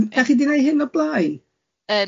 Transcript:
Yym 'da chi di neud hyn o blaen?